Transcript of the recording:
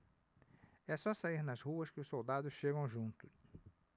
é só sair nas ruas que os soldados chegam junto